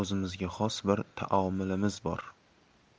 o'zimizga xos bir taomilimiz bor